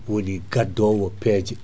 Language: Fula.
woni gaddowo peeje